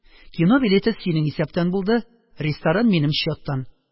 Кино билеты синең исәптән булды, ресторан – минем счёттан